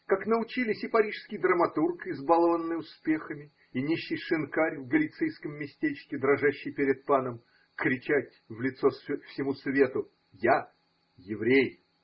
как научились и парижский драматург, избалованный успехами, и нищий шинкарь в галицийском местечке, дрожащий перед паном, кричать в лицо всему свету: я еврей!